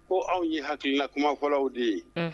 Ko aw ye hakilikilakumafɔlaw de ye